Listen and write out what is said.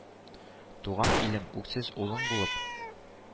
Туган илем, үксез улың булып,